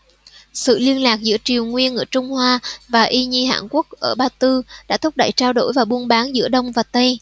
sự liên lạc giữa triều nguyên ở trung hoa và y nhi hãn quốc ở ba tư đã thúc đẩy trao đổi và buôn bán giữa đông và tây